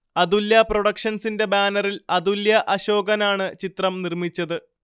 അതുല്യ പ്രൊഡക്ഷൻസിന്റെ ബാനറിൽ അതുല്യ അശോകാണ് ചിത്രം നിർമ്മിച്ചത്